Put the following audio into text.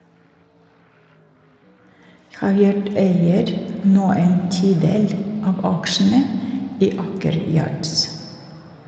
Havyard eier nå en tidel av aksjene i Aker Yards.